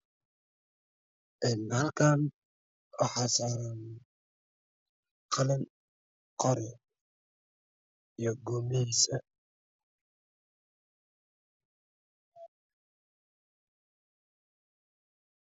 Een Halkani waxaa saaran qalin qori iyo goomadiisa